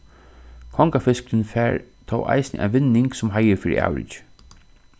kongafiskurin fær tó eisini ein vinning sum heiður fyri avrikið